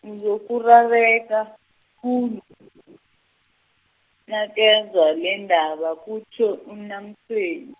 uzokurareka, khulu, nakezwa lendaba kutjho UNaMtshweni.